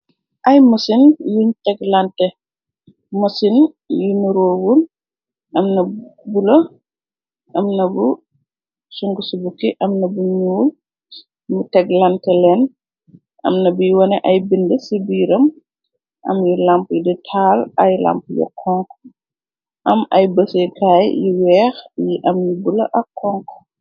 Ay macin yun tegelante macin yu nu roowul amna bula amnah bu sunguffi buki amna bu ñyuul ñu teg lante leen amna bi wone ay bind ci biiram am yi lamp yi di taal ay lamp yo konk am ay bësekaay yi weex yi am ni bula ak konku.